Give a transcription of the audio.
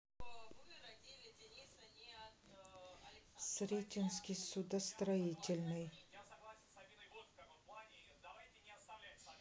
сретенский судостроительный